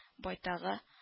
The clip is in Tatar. Байтагы